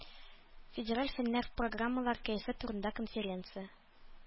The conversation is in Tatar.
Федераль фэннэр программалар кәефе турында конференция.